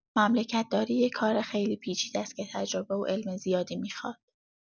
مملکت‌داری یه کار خیلی پیچیده‌س که تجربه و علم زیادی می‌خواد.